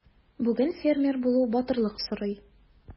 Бүген фермер булу батырлык сорый.